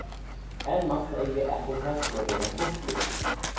emma segði at hon helt meg vera stuttliga